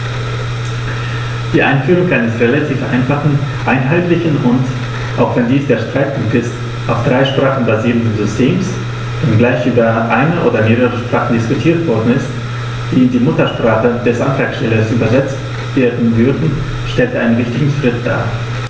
Die Einführung eines relativ einfachen, einheitlichen und - auch wenn dies der Streitpunkt ist - auf drei Sprachen basierenden Systems, wenngleich über eine oder mehrere Sprachen diskutiert worden ist, die in die Muttersprache des Antragstellers übersetzt werden würden, stellt einen wichtigen Schritt dar.